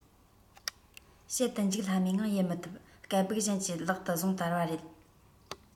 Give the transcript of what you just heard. བྱེད དུ འཇུག སླ མོས ངང ཡལ མི ཐུབ སྐད སྦུག གཞན གྱི ལག ཏུ བཟུང དར བ རེད